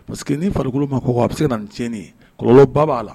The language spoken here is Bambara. Parce que ni farikolo ma ko a bɛ se ka na cɛnɲɛneni kɔlɔlɔnlɔba b'a la